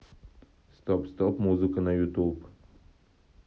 стоп стоп музыка на youtube